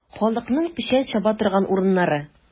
Халыкның печән чаба торган урыннары.